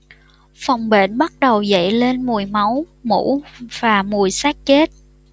phòng bệnh bắt đầu dậy lên mùi máu mủ và mùi xác chết